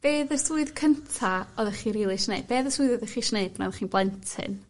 be' o'dd y swydd cynta oddech chi rili isie neud be' odd y swydd oddech chi isio neud pan o'ch chi'n blentyn?